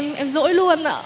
em dỗi luôn